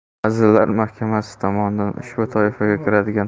vazirlar mahkamasi tomonidan ushbu toifaga kiradigan